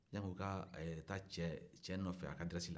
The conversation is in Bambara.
yan n'u ka taa cɛ nɔfɛ a ka aderɛsi la